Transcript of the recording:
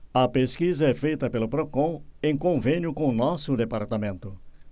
a pesquisa é feita pelo procon em convênio com o diese